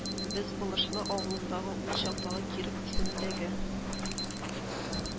Без, Былышлы авылындагы ул чактагы Киров исемендәге